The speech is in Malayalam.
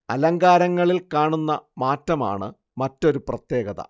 അലങ്കാരങ്ങളിൽ കാണുന്ന മാറ്റമാണ് മറ്റൊരു പ്രത്യേകത